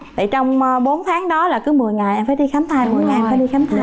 thì trong bốn tháng đó thì là cứ mười ngày em phải đi khám thai mười ngày em phải đi khám thai